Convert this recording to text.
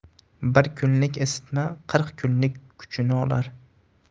bir kunlik isitma qirq kunlik kuchni olar